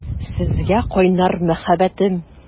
Сезгә кайнар мәхәббәтем!